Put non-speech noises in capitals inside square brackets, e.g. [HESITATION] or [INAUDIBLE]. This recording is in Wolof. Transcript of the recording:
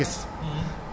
[HESITATION] [HESITATION]